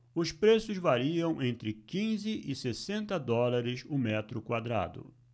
os preços variam entre quinze e sessenta dólares o metro quadrado